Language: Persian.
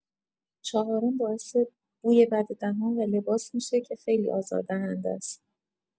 چهارم، باعث بوی بد دهان و لباس می‌شه که خیلی آزاردهنده ست.